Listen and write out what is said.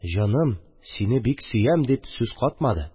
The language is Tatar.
«җаным, сине бик сөям!» – дип сүз катмады